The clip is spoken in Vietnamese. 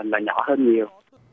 nhỏ nhỏ hơn nhiều